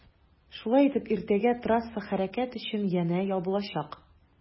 Шулай итеп иртәгә трасса хәрәкәт өчен янә ябылачак.